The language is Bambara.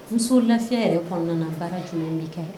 Muso lafiya yɛrɛ kɔnɔna fara jumɛn bɛ kɛ